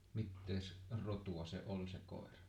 mitä rotua se oli se koira